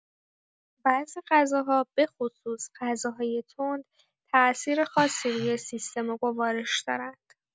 بعضی غذاها، بالاخص غذاهای تند، تاثیر خاصی روی سیستم گوارش دارند.